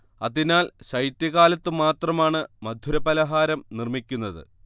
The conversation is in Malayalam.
അതിനാൽ ശൈത്യകാലത്തു മാത്രമാണ് മധുരപലഹാരം നിർമ്മിക്കുന്നത്